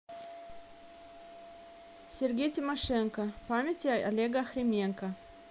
сергей тимошенко памяти олега охрименко